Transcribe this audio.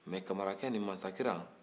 mɛ kamarakɛ nin mansakiran